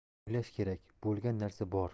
o'ylash kerak bo'lgan narsa bor